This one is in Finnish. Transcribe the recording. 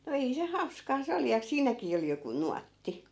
no ei se hauskaa se oli ja siinäkin oli joku nuotti